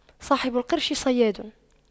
صاحب القرش صياد